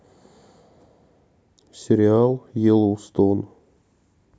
сериал йеллоустоун